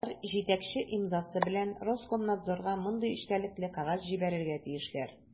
Алар җитәкче имзасы белән Роскомнадзорга мондый эчтәлекле кәгазь җибәрергә тиешләр: